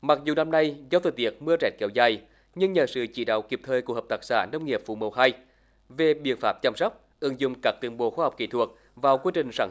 mặc dù năm nay do thời tiết mưa rét kéo dài nhưng nhờ sự chỉ đạo kịp thời của hợp tác xã nông nghiệp vụ mùa hai về biện pháp chăm sóc ứng dụng các tiến bộ khoa học kỹ thuật vào quy trình sản